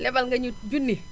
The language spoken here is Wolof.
lebal nga ñu junni